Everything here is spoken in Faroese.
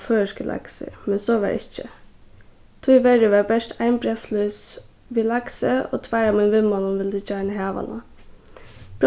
føroyskur laksur men so var ikki tíverri var bert ein breyðflís við laksi og tveir av mínum vinmonnum vildu gjarna hava hana